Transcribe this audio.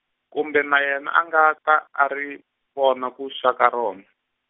kumbe na yena a nga ta a ri, vona ku xa ka rona.